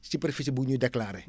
superficie bu nga ñu déclaré